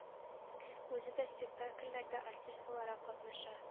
Үзе да спектакльләрдә артист буларак катнаша.